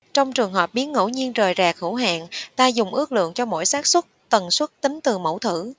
trong trường hợp biến ngẫu nhiên rời rạc hữu hạn ta dùng ước lượng cho mỗi xác suất tần suất tính từ mẫu thử